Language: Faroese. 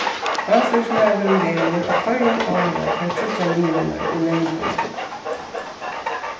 landsstýrismaðurin velur á hvørjum ári teir tríggjar limirnar í nevndini